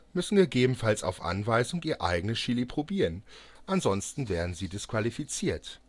müssen gegebenenfalls auf Anweisung ihr eigenes Chili probieren, ansonsten werden sie disqualifiziert